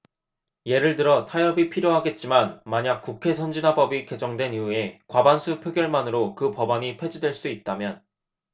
예를 들어 타협이 필요하겠지만 만약 국회선진화법이 개정된 이후에 과반수 표결만으로 그 법안이 폐지될 수 있다면